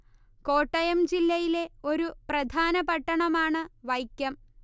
കോട്ടയം ജില്ലയിലെ ഒരു പ്രധാന പട്ടണമാണ് വൈക്കം